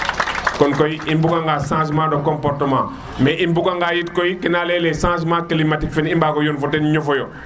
kon koy i mbuga nga changement de comportement me u bunga nga yit kena leyel changement climatique fene i bago yon foden ñofo yo